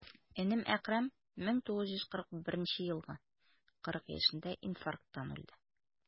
Энем Әкрам, 1941 елгы, 40 яшендә инфаркттан үлде.